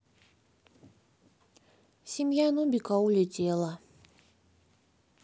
семья нубика улетела